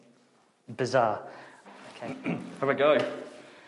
bizzare. Ok. Have a go.